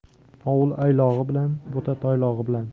ovul aylog'i balan bo'ta taylog'i bilan